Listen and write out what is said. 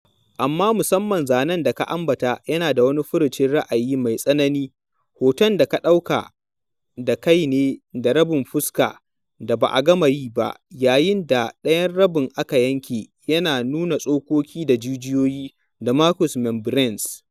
Amma, musamman, zanen da ka ambata yana da wani furucin ra’ayi mai tsanani: Hoton da ka ɗauka da kai ne da rabin fuskar da ba a gama yi ba, yayin da ɗayan rabi aka yanke, yana nuna tsokoki da jijiyoyi da mucous membranes.